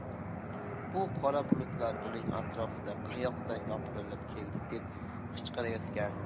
bu qora bulutlar uning atrofiga qayoqdan yopirilib keldi deb qichqirayotgan